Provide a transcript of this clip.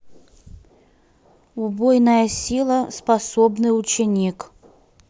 убойная сила способный ученик